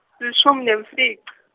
lishumi nemfica.